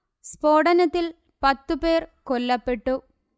സ്ഫോടനത്തിൽ പത്ത് പേർ കൊല്ലപ്പെട്ടു